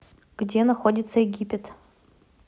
где находится египет